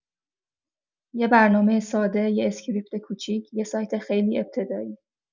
یه برنامه ساده، یه اسکریپت کوچیک، یه سایت خیلی ابتدایی.